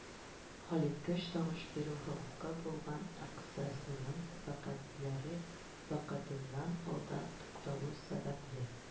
Хәлиткеч тавыш бирү хокукы булган әгъзасының вәкаләтләре вакытыннан алда тукталу сәбәпле,